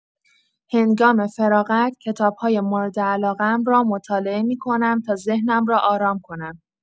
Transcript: هنگام فراغت کتاب‌های مورد علاقه‌ام را مطالعه می‌کنم تا ذهنم را آرام کنم.